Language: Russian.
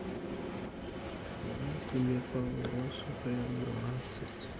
ну тебе по голосу прям двадцать